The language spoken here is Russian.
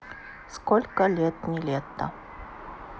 сколько лет нилетто